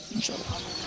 incha allah